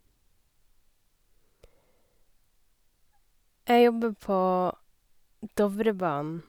Jeg jobber på Dovrebanen.